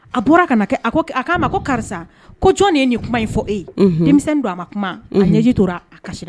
A bɔra ka na kɛ a ko a k'a ma ko karisa ko jɔn de ye nin kuma in fɔ e ye; Unhun; denmisɛnnin don a ma kuma; Unhun;a ɲɛji tora, a kasira